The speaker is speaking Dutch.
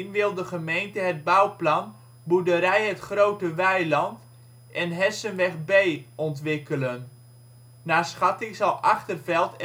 wil de gemeente het bouwplan ' boerderij Het Grote Weiland ' en ' Hessenweg B ' ontwikkelen. Naar schatting zal Achterveld